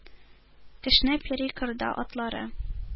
Кешнәп йөри кырда атлары,